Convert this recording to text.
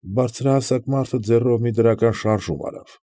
Բարձրահասակ մարդը ձեռով մի դրական շարժում արավ։